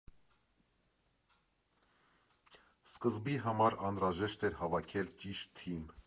Սկզբի համար անհրաժեշտ էր հավաքել ճիշտ թիմ։